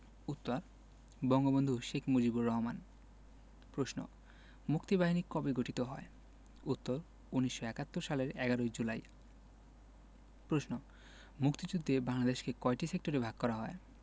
উত্তর বঙ্গবন্ধু শেখ মুজিবুর রহমান প্রশ্ন মুক্তিবাহিনী কবে গঠিত হয় উত্তর ১৯৭১ সালের ১১ জুলাই প্রশ্ন মুক্তিযুদ্ধে বাংলাদেশকে কয়টি সেক্টরে ভাগ করা হয়